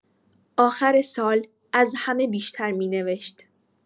آخر سال، از همه بیشتر می‌نوشت.